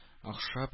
Охшап